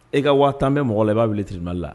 E ka waa tan bɛ mɔgɔ i b'a weleele tiriri la